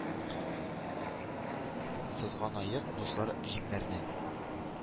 Сызганыек, дуслар, җиңнәрне,